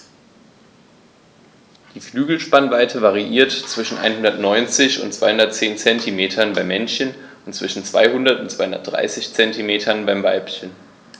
Die Flügelspannweite variiert zwischen 190 und 210 cm beim Männchen und zwischen 200 und 230 cm beim Weibchen.